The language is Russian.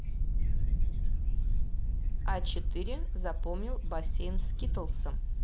а четыре запомнил бассейн скитлсом